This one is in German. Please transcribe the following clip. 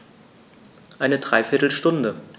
Eine dreiviertel Stunde